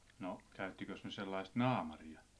no käyttikös ne sellaista naamaria